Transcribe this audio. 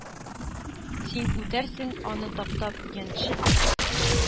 Син үтәрсең, аны таптап, яньчеп,